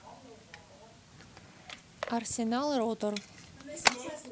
арсенал ротор